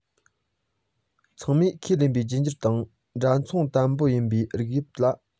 ཚང མས ཁས ལེན པའི རྒྱུད འགྱུར དང འདྲ མཚུངས དམ པོ ཡིན པའི རིགས དབྱིབས ལ